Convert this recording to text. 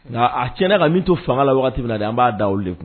Nka a cɛn na ka min to fanga la waati min na an b'a da olu de kun